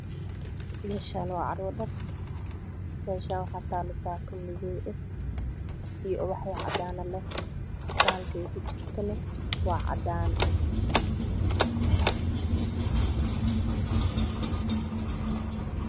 Meeshaan waa carwo dhar waxaa taalo saako madow ah iyo ubaxyo cadaan leh meeshay kujirtana waa cadaan.